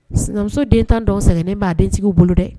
Sinamuso den tan dɔ sɛgɛnnen b'a dentigiw bolo dɛ